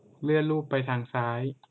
เลื่อนรูปไปทางซ้าย